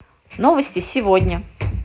новости сегодня